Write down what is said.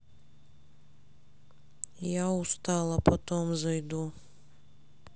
я устала потом зайду